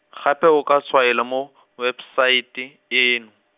gape o ka tshwaela mo , website, eno.